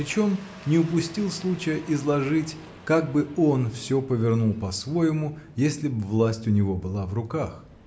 причем не упустил случая изложить, как бы он все повернул по-своему, если б власть у него была в руках.